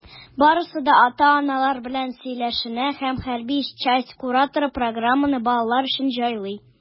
Барысы да ата-аналар белән сөйләшенә, һәм хәрби часть кураторы программаны балалар өчен җайлый.